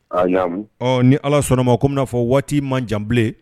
Aɲanmi, ɔ ni allah sɔnn'a ma komi n'a fɔ waati man jan bilen